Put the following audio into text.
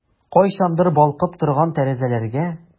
Кайчандыр балкып торган тәрәзәләргә...